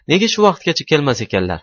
nega shu vaqtgacha kelmas ekanlar